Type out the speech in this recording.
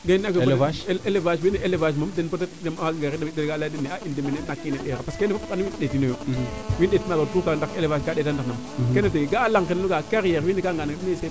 gay naak elevage bono elevage mom den o xaaga fiya nga fi degat leya dene in de mene a keen i parce que fook i ndeetino yo i ndeet maaga tout temps ndax elevage kaa ndegan ndax nam ga'a laŋ ke tout le temps ndax elevage kaa ndegan ndax nam ga'a laŋ nu nga'a carriere wiin we nga nga'an rek mais